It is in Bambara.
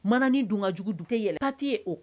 Mana ni dun ka jugu dunte yɛlɛ pa tɛ' ye o